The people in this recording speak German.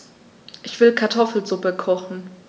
Ich will Kartoffelsuppe kochen.